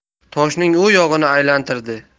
toshning u yog'ini aylantirdi